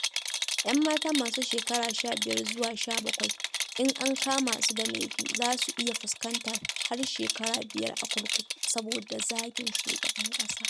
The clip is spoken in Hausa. Yan mata, masu shekaru 15 zuwa 17, in an kama su da laifi, za su iya fuskantar har shekaru biyar a kurkuku saboda zagin shugaban ƙasa.